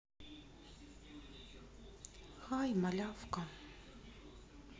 хай малявка